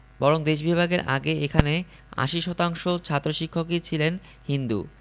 বরং দেশ বিভাগের আগে এখানে ৮০% ছাত্র শিক্ষকই ছিলেন হিন্দু